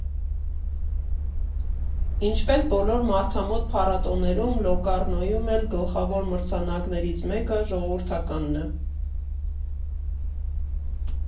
Ինչպես բոլոր մարդամոտ փառատոներում, Լոկառնոյում էլ գլխավոր մրցանակներից մեկը ժողովրդականն է։